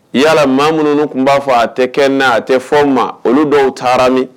Yala maa minnuunu tun b'a fɔ a tɛ kɛ n a tɛ fɔ ma olu dɔw taara min